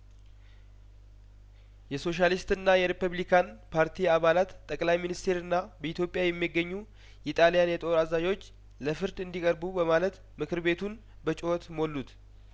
የሶሻሊስትና የሪፐብሊካን ፓርቲ አባላት ጠቅላይ ሚኒስቴርና በኢትዮጵያ የሚገኙ የጣሊያን ጦር አዛዦች ለፍርድ እንዲ ቀርቡ በማለትምክር ቤቱን በጩኸት ሞሉት